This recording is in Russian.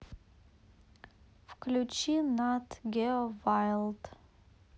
включи нат гео вайлд